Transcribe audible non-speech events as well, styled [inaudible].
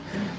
[hesitation] [hesitation]